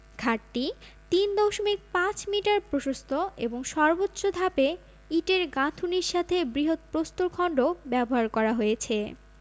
ঘাটটি ৩ দশমিক ৫ মিটার প্রশস্ত এবং সর্বোচ্চ ধাপে ইটের গাঁথুনীর সাথে বৃহৎ প্রস্তরখন্ডও ব্যবহার করা হয়েছে